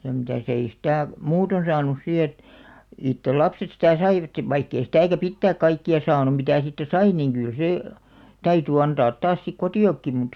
ja mitäs ei sitä muuten saanut sitten että itse lapset sitä saivat vaikka ei sitäkään pitää kaikkia saanut mitä siitä sai niin kyllä se täytyi antaa taas sitten kotiinkin mutta